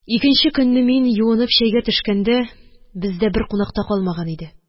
Икенче көнне мин юынып чәйгә төшкәндә, бездә бер кунак та калмаган иде.